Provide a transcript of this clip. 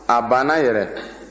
a banna yɛrɛ